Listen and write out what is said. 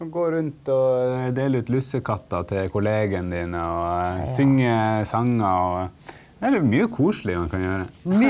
kan gå rundt og dele ut lussekatter til kollegene dine og synge sanger og er det mye koselig man kan gjøre.